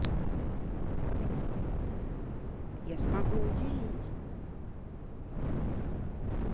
я смогу удивить